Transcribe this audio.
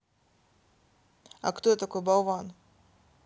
а кто такой болван